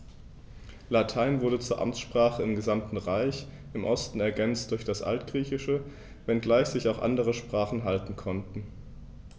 Latein wurde zur Amtssprache im gesamten Reich (im Osten ergänzt durch das Altgriechische), wenngleich sich auch andere Sprachen halten konnten.